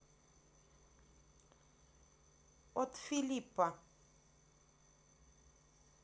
от филиппа